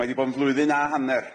Mae 'di bod yn flwyddyn a hanner.